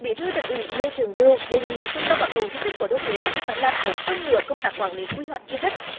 bí thư tỉnh ủy lê trường lưu đề nghị trung tâm bảo tồn di tích cố đô huế phải làm tốt hơn nữa công tác quản lý quy hoạch di tích